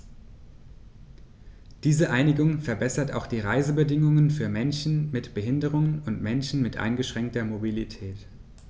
Diese Einigung verbessert auch die Reisebedingungen für Menschen mit Behinderung und Menschen mit eingeschränkter Mobilität.